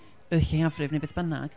y lleiafrif neu beth bynnag...